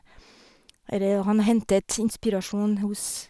Eller, han hentet inspirasjon hos...